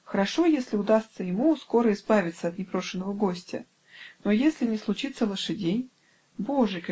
хорошо, если удастся ему скоро избавиться от непрошеного гостя но если не случится лошадей?. боже!